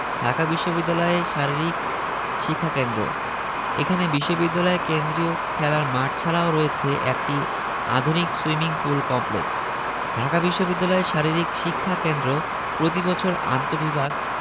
ঢাকা বিশ্ববিদ্যালয়ে শারীরিক শিক্ষাকেন্দ্র এখানে বিশ্ববিদ্যালয় কেন্দ্রীয় খেলার মাঠ ছাড়াও রয়েছে একটি আধুনিক সুইমিং পুল কমপ্লেক্স ঢাকা বিশ্ববিদ্যালয় শারীরিক শিক্ষা কেন্দ্র প্রতিবছর আন্তঃবিভাগ